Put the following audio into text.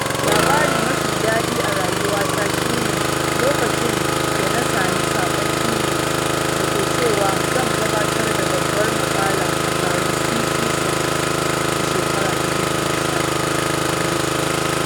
Labari mafi daɗi a rayuwata shi ne lokacin da na sami saƙon email da ke cewa zan gabatar da babbar maƙala a taron CC Summit na shekarar 2019 a garin Lisbon…